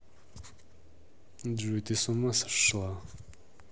джой ты с ума шла